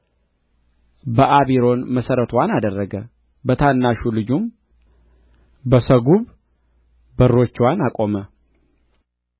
በአቢሮን መሠረትዋን አደረገ በታናሹ ልጁም በሠጉብ በሮችዋን አቆመ